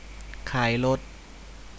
ขายรถ